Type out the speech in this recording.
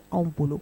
' bolo